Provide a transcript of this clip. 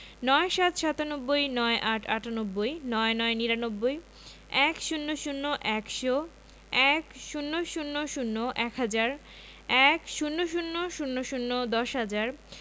৯৭ – সাতানব্বই ৯৮ - আটানব্বই ৯৯ - নিরানব্বই ১০০ – একশো ১০০০ – এক হাজার ১০০০০ দশ হাজার